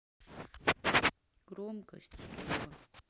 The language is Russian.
громкость сто